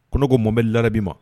Kɔnɔko mo bɛ lara' ma